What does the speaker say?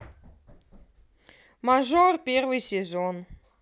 мажор первый сезон